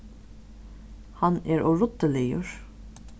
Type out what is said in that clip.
hann er óruddiligur